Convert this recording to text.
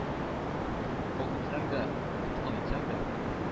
Кол итсәң дә, тоткын итсәң дә,